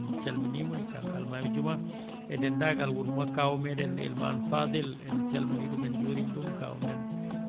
en calminii mo kanko almaami juuma e denndaangal wuro ngoo kaawu meeɗen elimane Fadel en calminii ɗum en njuuriima ɗum kaawu men